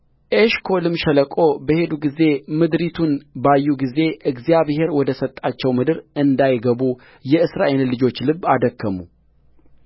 ኤሽኮልም ሸለቆ በሄዱ ጊዜ ምድሪቱንም ባዩ ጊዜ እግዚአብሔር ወደ ሰጣቸው ምድር እንዳይገቡ የእስራኤልን ልጆች ልብ አደከሙ